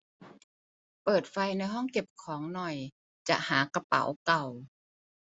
เปิดไฟในห้องเก็บของหน่อยจะหากระเป๋าเก่า